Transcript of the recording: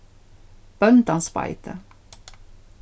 bóndansbeiti